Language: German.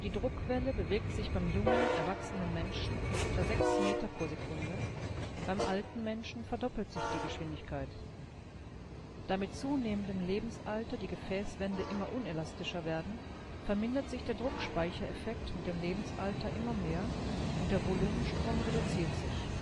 Druckwelle bewegt sich beim jungen, erwachsenen Menschen mit etwa 6 Meter pro Sekunde, beim alten Menschen verdoppelt sich die Geschwindigkeit. Da mit zunehmendem Lebensalter die Gefäßwände immer unelastischer werden, vermindert sich der Druckspeichereffekt mit dem Lebensalter immer mehr und der Volumenstrom reduziert sich